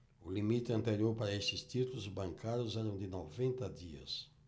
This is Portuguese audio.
o limite anterior para estes títulos bancários era de noventa dias